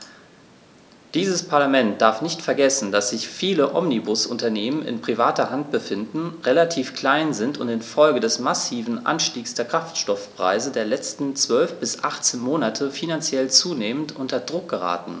Dieses Parlament darf nicht vergessen, dass sich viele Omnibusunternehmen in privater Hand befinden, relativ klein sind und in Folge des massiven Anstiegs der Kraftstoffpreise der letzten 12 bis 18 Monate finanziell zunehmend unter Druck geraten.